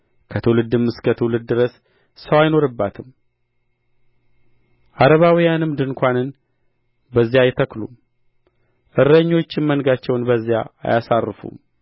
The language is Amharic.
ከትውልድ እስከ ትውልድ ድረስ ሰው አይኖርባትም ዓረባውያንም ድንኳንን በዚያ አይተክሉም እረኞችም መንጎቻቸውን በዚያ አያሳርፉም